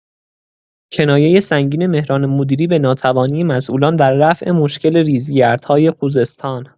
کنایه سنگین مهران مدیری به ناتوانی مسئولان در رفع مشکل ریزگردهای خوزستان